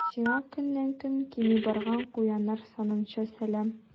Сиңа көннән-көн кими барган куяннар санынча сәлам.